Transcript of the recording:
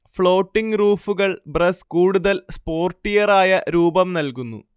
floating റൂഫുകൾ ബ്രെസ്ക്ക് കൂടുതൽ സ്പോർട്ടിയറായ രൂപം നൽകുന്നു